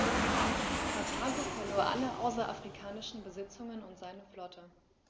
Karthago verlor alle außerafrikanischen Besitzungen und seine Flotte.